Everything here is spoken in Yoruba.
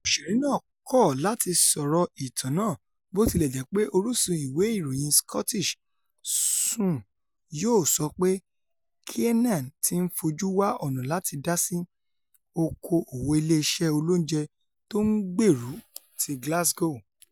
Òṣèré náà kọ láti sọ̀rọ̀ ìtàn náà, botilẹjẹpe orísun ìwé ìròyìn Scottish Sun yọ́ ọ sọ pé Kiernan tí ńfojú wá ọ̀nà láti dásí ''oko-òwò ilé iṣẹ́ olóúnjẹ tó ńgbèrú'' ti Glasgow.